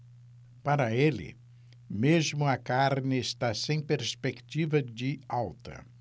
para ele mesmo a carne está sem perspectiva de alta